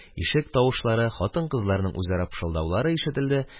Ишек тавышлары, хатын-кызларның үзара пышылдаулары ишетелде: